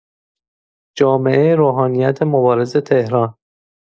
جامعه روحانیت مبارز تهران